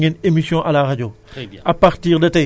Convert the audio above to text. def ngeen CRD def ngeen CDD def ngeen atelier